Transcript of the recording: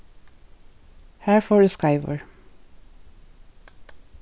har fór eg skeivur